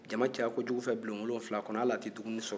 jama caya kojugu fɛ bulon wolonwula kɔnɔ hali a tɛ dumini sɔrɔ